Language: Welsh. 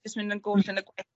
jyst myn yn gôll yn y gwaith.